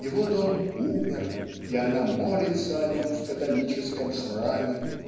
и вот он умер, и она молится о нем в католическом храме